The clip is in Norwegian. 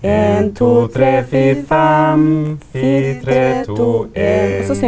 ein to tre fire fem fire tre to ein.